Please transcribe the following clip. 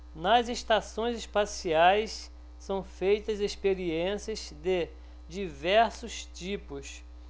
nas estações espaciais são feitas experiências de diversos tipos